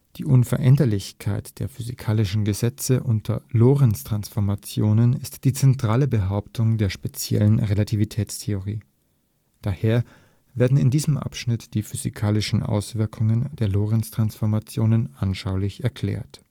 Die Unveränderlichkeit der physikalischen Gesetze unter Lorentztransformationen ist die zentrale Behauptung der speziellen Relativitätstheorie. Daher werden in diesem Abschnitt die physikalischen Auswirkungen der Lorentztransformationen anschaulich erklärt